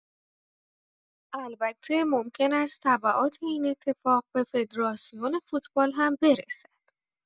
البته ممکن است تبعات این اتفاق به فدراسیون فوتبال هم برسد.